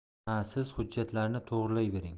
ha siz hujjatlarini to'g'rilayvering